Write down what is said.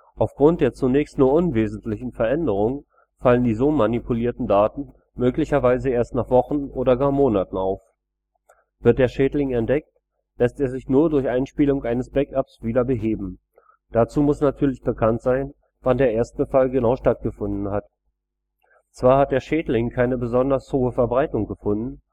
Aufgrund der zunächst nur unwesentlichen Veränderungen fallen die so manipulierten Daten möglicherweise erst nach Wochen oder gar Monaten auf. Wird der Schaden entdeckt, lässt er sich nur durch die Einspielung eines Backups wieder beheben – dazu muss natürlich bekannt sein, wann der Erstbefall genau stattgefunden hat. Zwar hat der Schädling keine sonderlich hohe Verbreitung gefunden